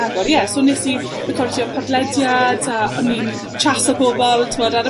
agor. Ie, so nes i recordio podlediad, a o'n i'n tsiaso pobol t'mod ar y...